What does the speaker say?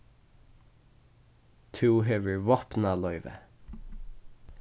tú hevur vápnaloyvi